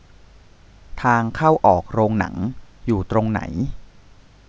ทางเข้าออกโรงหนังอยู่ตรงไหน